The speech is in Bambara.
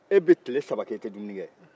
e bɛ tile saba kɛ e tɛ dumuni kɛ